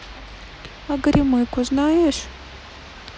а горемыку знаешь